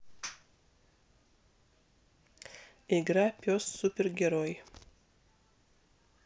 игра пес супергерой